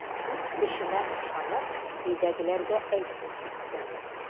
Үз көчемә ышанып, өйдәгеләргә әйтми киттем.